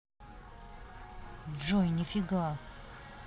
джой нифига